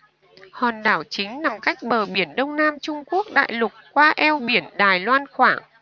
hòn đảo chính nằm cách bờ biển đông nam trung quốc đại lục qua eo biển đài loan khoảng